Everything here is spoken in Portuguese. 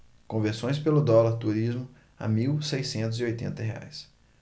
conversões pelo dólar turismo a mil seiscentos e oitenta reais